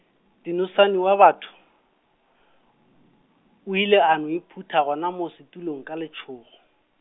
Dunusani wa batho, o ile a no iphutha gona moo setulong ka letšhogo.